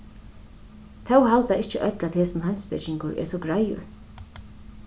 tó halda ikki øll at hesin heimspekingur er so greiður